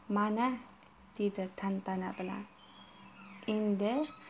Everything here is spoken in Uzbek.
mana dedi tantana bilan